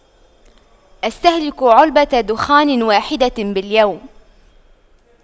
استهلك علبة دخان واحدة باليوم